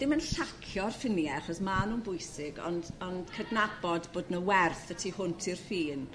dim yn llacio'r ffinie achos ma' nw'n bwysig ond ond cydnabod bod 'na werth y tu hwnt i'r ffin.